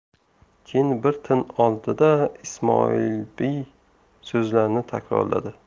keyin bir tin oldi da ismoilbey so'zlarini takrorladi